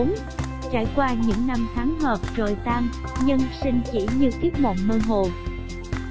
trải qua những năm tháng hợp rồi tan nhân sinh chỉ như kiếp mộng mơ hồ